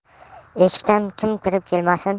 eshikdan kim kirib kelmasin